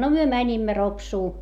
no me menimme Ropsuun